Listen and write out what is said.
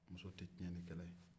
muso tɛ tiɲɛlikɛla ye